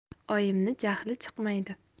oyimni jahli chiqmaydi